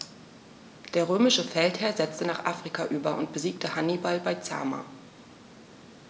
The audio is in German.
Der römische Feldherr setzte nach Afrika über und besiegte Hannibal bei Zama.